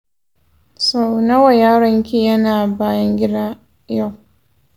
sau nawa yaron ki yayi bayan gida yau?